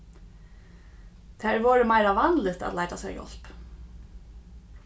tað er vorðið meira vanligt at leita sær hjálp